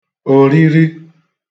òriri